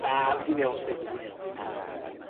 na fu 'di'n iawn sdi... fu di'n iawn oce